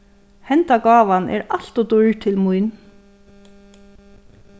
henda gávan er alt ov dýr til mín